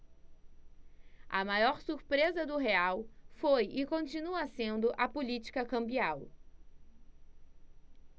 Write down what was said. a maior surpresa do real foi e continua sendo a política cambial